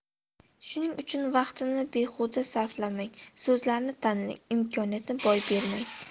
shuning uchun vaqtni behuda sarflamang so'zlarni tanlang imkoniyatni boy bermang